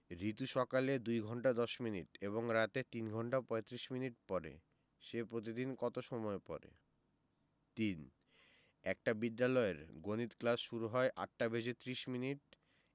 রিতু সকালে ২ ঘন্টা ২০ মিনিট এবং রাতে ৩ ঘণ্টা ৩৫ মিনিট পড়ে সে প্রতিদিন কত সময় পড়ে ৩ একটা বিদ্যালয়ের গণিত ক্লাস শুরু হয় ৮টা বেজে ৩০ মিনিট